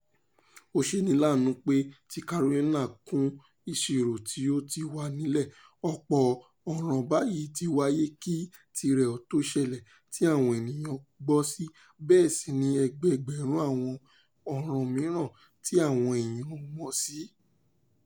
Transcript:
Ó ṣeni láàánú pé ti Carolina kún ìṣirò tí ó ti wà nílẹ̀, ọ̀pọ̀ ọ̀ràn báyìí ti wáyé kí tirẹ̀ ó tó ṣẹlẹ̀ tí àwọn ènìyàn gbọ́ sí, bẹ́ẹ̀ sì ni ẹgbẹẹgbẹ̀rún àwọn ọ̀ràn mìíràn tí àwọn èèyàn ò mọ̀ sí.